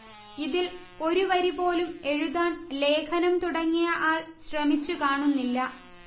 ഇതിൽ ഒരു വരി പോലും എഴുതാൻ ലേഖനം തുടങ്ങിയ ആൾ ശ്രമിച്ചു കാണുന്നില്ല